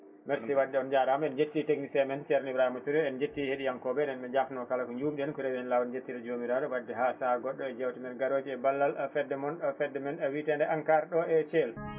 merci wadde on jarama en jetti technicien men ceerno Ibrihima Touré en jetti yeeɗiyankoɓe eɗen jafni kala ko jumɗen ko rewihen lawol en jettira jomiraɗo wadde ha saaha goɗɗo e jewtemen garoje e ballal fedde moom fedde men wiitede ENCAR ɗo e Thiel